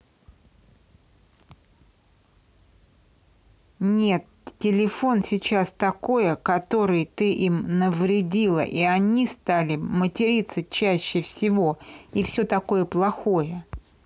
нет телефон сейчас такое который им навредила и они стали материться чаще всего и все такое плохое